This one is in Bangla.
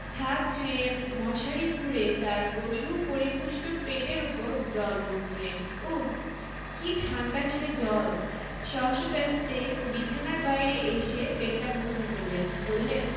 ছাদ চুঁইয়ে মশারি ফুঁড়ে তাঁর সুপরিপুষ্ট পেটের উপর জল পড়চে উঃ কি ঠাণ্ডা সে জল শশব্যস্তে বিছানার বাইরে এসে পেটটা মুছে ফেললেন বললেন